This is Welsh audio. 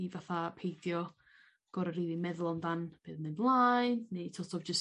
i fatha peidio gor'o' rili meddwl amdan be' odd mynd flaen neu so't of jyst...